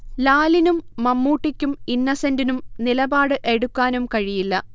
ലാലിനും മമ്മൂട്ടിക്കും ഇന്നസെന്റിനും നിലപാട് എടുക്കാനും കഴിയില്ല